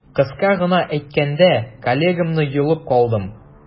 Кыска гына әйткәндә, коллегамны йолып калдым.